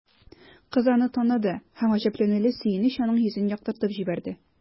Кыз аны таныды һәм гаҗәпләнүле сөенеч аның йөзен яктыртып җибәрде.